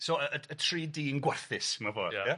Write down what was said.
So y y y tri dyn gwarthus mewn ffor' ia?